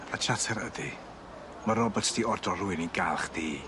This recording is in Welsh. Y chatter ydi ma' Roberts 'di ordro rywun i ga'l chdi.